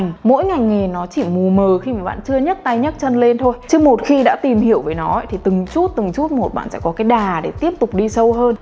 mỗi ngành nghề nó chỉ mù mờ khi mà bạn chưa nhấc tay nhấc chân lên thôi chứ một khi đã tìm hiểu về nó thì từng chút từng chút một bạn sẽ có cái đà để tiếp tục đi sâu hơn